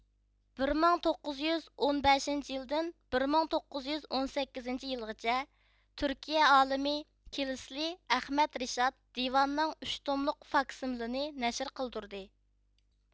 بىر مىڭ توققۇزيۈز ئون بەشىنچى يىلدىن بىر مىڭ توققۇزيۈز ئون سەككىزىنچى يىلغىچە تۈركىيە ئالىمى كىلسىلى ئەخمەت رىشات دىۋان نىڭ ئۈچ توملۇق فاكسىمىلىنى نەشر قىلدۇردى